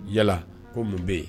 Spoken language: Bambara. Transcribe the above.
Yala ko mun bɛ yen